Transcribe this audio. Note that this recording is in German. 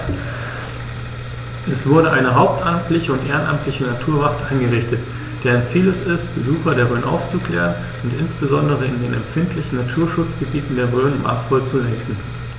Es wurde eine hauptamtliche und ehrenamtliche Naturwacht eingerichtet, deren Ziel es ist, Besucher der Rhön aufzuklären und insbesondere in den empfindlichen Naturschutzgebieten der Rhön maßvoll zu lenken.